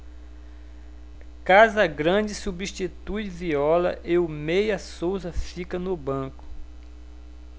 casagrande substitui viola e o meia souza fica no banco